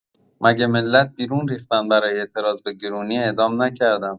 مگه ملت بیرون ریختن برای اعتراض به گرونی اعدام نکردن؟